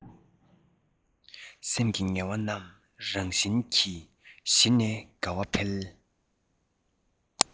སེམས ཀྱི ངལ བ རྣམས རང བཞིན གྱིས ཞི ནས དགའ བ འཕེལ